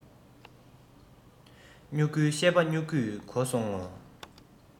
སྨྱུ གུའི བཤད པ སྨྱུ གུས གོ སོང ངོ